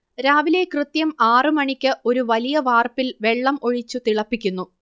രാവിലെ കൃത്യം ആറ് മണിക്ക് ഒരു വലിയ വാർപ്പിൽ വെള്ളം ഒഴിച്ചു തിളപ്പിക്കുന്നു